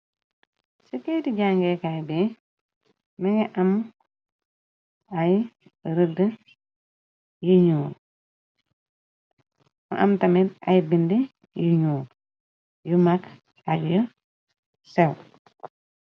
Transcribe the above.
Kayti jàngeekaay bi kayti jangée kaay bé ménge am ay rëdd yi ñuul am tamit ay bind yu ñuul yu mag ak yu séw